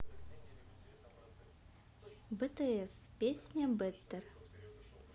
bts песня better